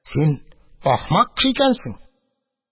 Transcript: Син ахмак кеше икәнсең.